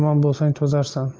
yomon bo'lsang to'zarsan